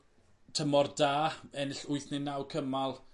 tymor da ennill wyth ne' naw cymal